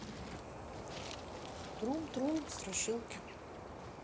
трум трум страшилки